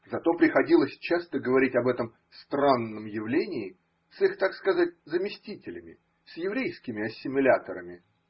Зато приходилось часто говорить об этом странном явлении с их, так сказать, заместителями – с еврейскими ассимиляторами.